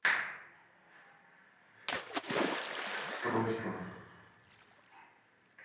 расстройство